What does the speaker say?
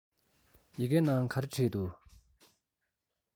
ཡི གེའི ནང ག རེ བྲིས འདུག